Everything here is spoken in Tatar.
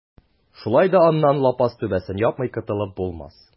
Шулай да аннан лапас түбәсен япмый котылып булмас.